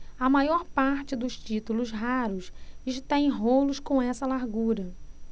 a maior parte dos títulos raros está em rolos com essa largura